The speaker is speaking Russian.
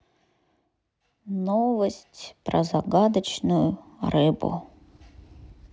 новость про загадочную рыбу